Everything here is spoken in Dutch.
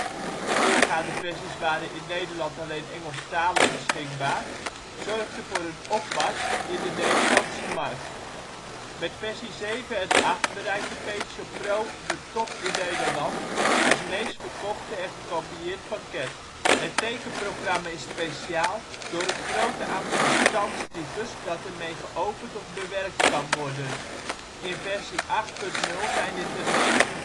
voorgaande versies waren in Nederland alleen Engelstalig beschikbaar) zorgde voor een opmars in de Nederlandstalige markt. Met versie 7 en 8 bereikte Paint Shop Pro de top in Nederland, als meest verkochte en gekopieerd pakket. [bron?] Het tekenprogramma is speciaal door het grote aantal bestandstypes die ermee geopend of bewerkt kan worden: in versie 8.0 zijn dit er 59